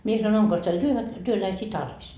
minä sanoin onkos teillä - työläisiä tarvis